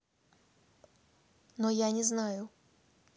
но я не знаю